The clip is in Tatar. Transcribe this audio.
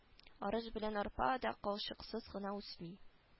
Арыш белән арпа да кылчыксыз гына үсми